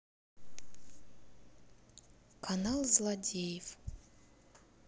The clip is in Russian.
канал злодеев